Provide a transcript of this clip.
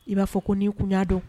I b'a fɔ ko n kun don